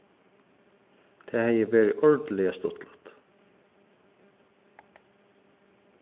tað hevði verið ordiliga stuttligt